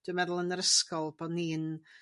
Dwi meddwl yn yr ysgol bo' ni'n